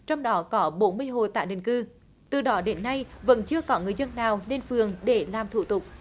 trong đó có bốn mươi hộ tái định cư từ đó đến nay vẫn chưa có người dân nào lên phường để làm thủ tục